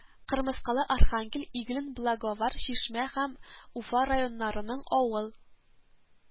Кырмыскалы, Архангель, Иглин, Благовар, Чишмә һәм Уфа районнарының авыл